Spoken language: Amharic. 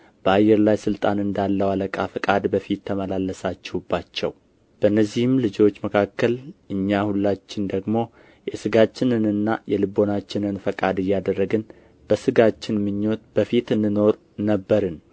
በአየር ላይ ሥልጣን እንዳለው አለቃ ፈቃድ በፊት ተመላለሳችሁባቸው በእነዚህም ልጆች መካከል እኛ ሁላችን ደግሞ የሥጋችንንና የልቡናችንን ፈቃድ እያደረግን በሥጋችን ምኞት በፊት እንኖር ነበርን